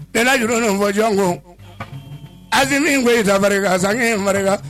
Ne'aj nin fɔ jɔn ko aliz min ko i ta a san